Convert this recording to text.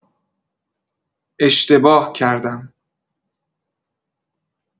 اشتباه کردم.